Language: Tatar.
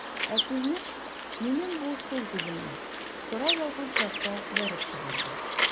Ә күзне, минем бу сул күземне, сорау алган чакта ул бәреп чыгарды.